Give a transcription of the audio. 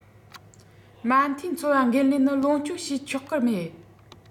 མ མཐའི འཚོ བ འགན ལེན ནི ལོངས སྤྱོད བྱེད ཆོག གི མེད